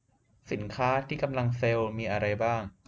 สินค้าที่กำลังเซลล์มีอะไรบ้าง